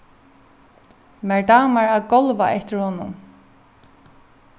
mær dámar at gálva eftir honum